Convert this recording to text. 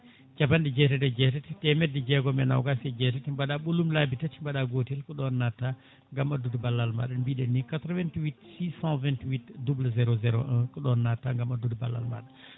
capanɗe jeetati e jeetati temedde jeegom e nogas e jeetati mbaɗa ɓoolum laabi tati mbaɗa gotel ko ɗon natta gam addude ballal maɗa no mbiɗen ni 88 626 00 01 ko ɗo natta gam addu ballal maɗa